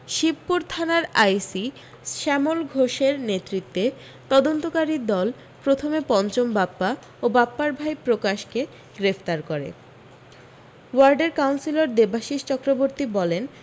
শিবপুর থানার আইসি শ্যামল ঘোষের নেতৃত্বে তদন্তকারী দল প্রথমে পঞ্চম বাপ্পা ও বাপ্পার ভাই প্রকাশ কে গ্রেফতার করে ওয়ার্ডের কাউন্সিলর দেবাশিস চক্রবর্তী বলেন